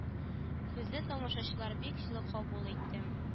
Безне тамашачылар бик җылы кабул итте